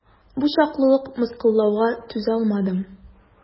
Бу чаклы ук мыскыллауга түзалмадым.